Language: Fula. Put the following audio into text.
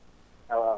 awa awa